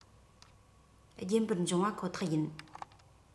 རྒྱུན པར འབྱུང བ ཁོ ཐག ཡིན